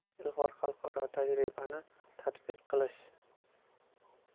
ilg'or xalqaro tajribani tatbiq qilish